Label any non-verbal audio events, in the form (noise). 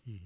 (hesitation) (hesitation)